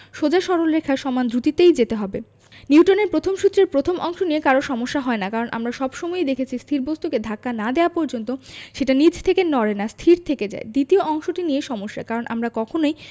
সোজা সরল রেখায় সমান দ্রুতিতে যেতে হবে নিউটনের প্রথম সূত্রের প্রথম অংশ নিয়ে কারো সমস্যা হয় না কারণ আমরা সব সময়ই দেখেছি স্থির বস্তুকে ধাক্কা না দেওয়া পর্যন্ত সেটা নিজে থেকে নড়ে না স্থির থেকে যায় দ্বিতীয় অংশটি নিয়ে সমস্যা কারণ আমরা কখনোই